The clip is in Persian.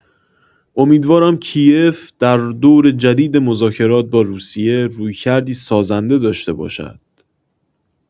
امیدوارم کی‌یف در دور جدید مذاکرات با روسیه رویکردی سازنده داشته باشد.